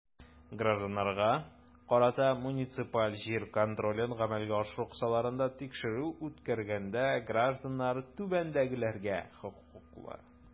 Гражданнарга карата муниципаль җир контролен гамәлгә ашыру кысаларында тикшерү үткәргәндә граждан түбәндәгеләргә хокуклы.